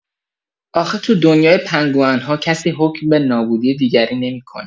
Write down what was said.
آخه تو دنیای پنگوئن‌ها کسی حکم به نابودی دیگری نمی‌کنه!